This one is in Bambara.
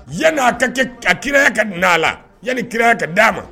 Yani a ka kɛ kiraya ka n'a la yani kiraya ka d'a ma